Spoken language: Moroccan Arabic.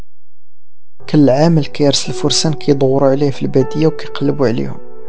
كل عام لك يرسل فرسان كيبور علي في الباديه اوكي قلبي عليهم